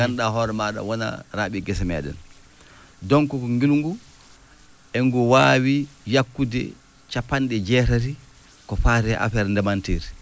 ngannduɗa hoore maaɗa wona raaɓi gese meeɗen donc ngilngu engu waawi yakkude cappanɗe jeetati ko faati e affaire ndemanteeri